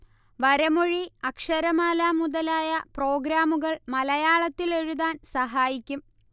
വരമൊഴി അക്ഷരമാല മുതലായ പ്രോഗ്രാമുകൾ മലയാളത്തിൽ എഴുതാൻ സഹായിക്കും